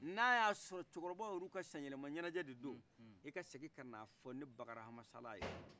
n' aya sɔrɔ cɛkɔrɔbaw yɛru ka san yɛlɛma ɲɛnɛjɛ de do ika segin kana fɔ ne bakari hama sala ye